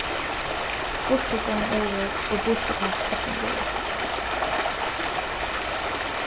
burturbein órudd og burturkast uttandura